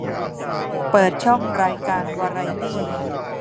เปิดช่องรายการวาไรตี้